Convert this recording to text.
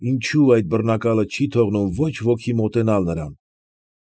Ինչո՞ւ այդ բռնակալը չի թողնում ոչ ոքի մոտենալ նրան։